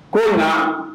Ko nga